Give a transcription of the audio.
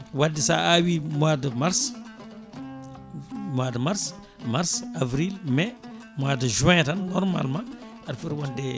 wadde sa awi mois de mars mois de mars mars avril mai mois de juin tan normalement aɗa footi wonde